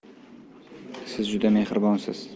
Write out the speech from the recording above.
siz juda mehribonsiz